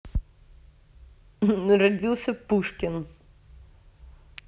родился пушкин